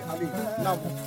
A bɛ'